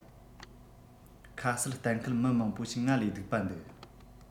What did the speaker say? ཁ གསལ གཏན འཁེལ མི མང པོ ཞིག ང ལས སྡུག པ འདུག